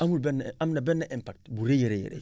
amul benn imp am na benn impact bu rëy a rëy